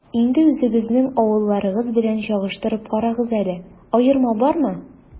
Инде үзегезнең авылларыгыз белән чагыштырып карагыз әле, аерма бармы?